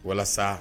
Walasa